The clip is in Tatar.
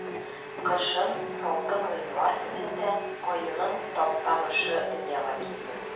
Кышын, салкын гыйнвар көнендә, аюның Таптамышы дөньяга килде.